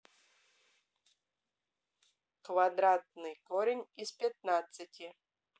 квадратный корень из пятнадцати